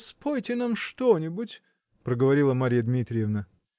спойте нам что-нибудь, -- проговорила Марья Дмитриевна.